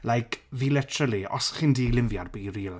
Like, fi literally, os chi'n dilyn fi ar BeReal...